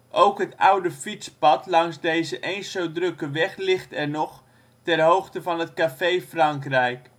Ook het oude fietspad langs deze eens zo drukke weg ligt er nog, ter hoogte van het café " Frankrijk